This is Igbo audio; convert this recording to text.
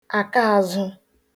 àkààzu